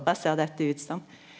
kva ser dette ut som?